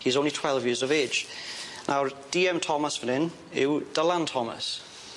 He's only twelve years of age. Nawr Dee Em Thomas fan 'yn yw Dylan Thomas.